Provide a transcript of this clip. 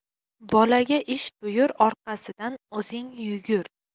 bolaga ish buyur orqasidan o'zing yugur